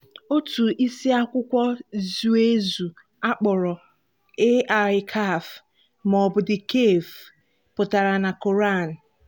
Otu isiakwụkwọ zueu ezu a kpọrọ "Al Kahf" ma ọ bụ "The Cave" pụtara na Koran.